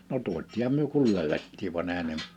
no tuotiinhan me kun löydettiin vaan eihän ne